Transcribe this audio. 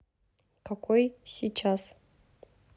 какой сейчас